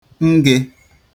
nge